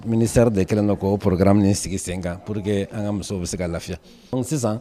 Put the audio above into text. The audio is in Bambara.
Ministère de kɛlen don k'o projet programmes ninnu sigi sen kan pourkramini sigi sen kan pour que an ka muso bɛ se ka lafiya donc sisan